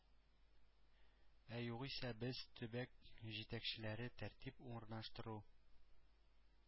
Ә югыйсә без – төбәк җитәкчеләре тәртип урнаштыру